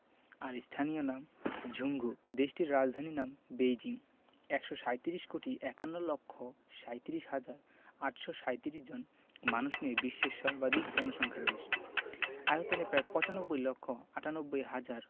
আর স্থানীয় নাম ঝুংঘু দেশটির রাজধানীর নাম বেইজিং ১৩৭ কোটি ৫১ লক্ষ ৩৭ হাজার ৮৩৭ জন মানুষ নিয়ে বিশ্বের সর্বাধিক জনসংখ্যার দেশ আয়তন প্রায় ৯৫ লক্ষ ৯৮ হাজার